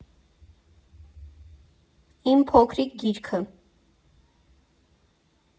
Իմ փոքրիկ գիրքը։